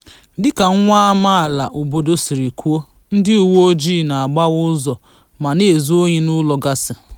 Dị ka nwa amaala obodo siri kwuo, ndị uwe ojii na-agbawa ụzọ ma na-ezu ohi n'ụlọ gasi.